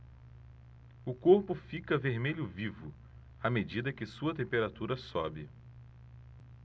o corpo fica vermelho vivo à medida que sua temperatura sobe